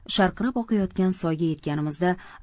sharqirab oqayotgan soyga yetganimizda